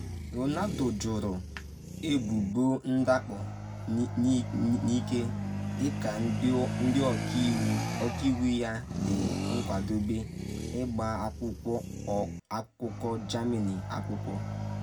Ronaldo jụrụ ebubo ndakpo n’ike dịka ndị ọka iwu ya dị nkwadobe ịgba akwụkwọ akụkọ Germany akwụkwọ